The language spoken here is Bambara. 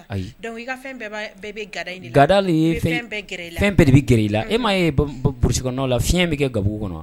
Ayi Donc i ka fɛn bɛɛ bi ga da de la. Fɛn bɛɛ de bi gɛrɛ i la . E ma ye brousse kɔnɔnaw la fiɲɛ bɛ kɛ gabugu kɔnɔ.